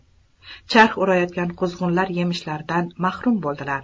charx urayotgan quzg'unlar yemishlaridan mahrum bo'ldilar